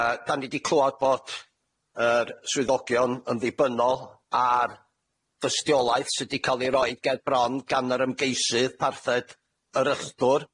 Yy 'dan ni di clwad bod yr swyddogion yn ddibynnol ar dystiolaeth sy 'di ca'l ei roid ger bron gan yr ymgeisydd parthed yr ychdwr.